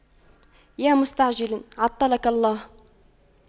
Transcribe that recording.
يا مستعجل عطلك الله